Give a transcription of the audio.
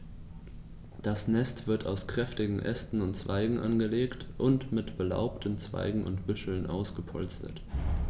Das Nest wird aus kräftigen Ästen und Zweigen angelegt und mit belaubten Zweigen und Büscheln ausgepolstert.